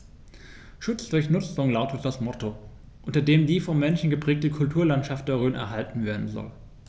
„Schutz durch Nutzung“ lautet das Motto, unter dem die vom Menschen geprägte Kulturlandschaft der Rhön erhalten werden soll.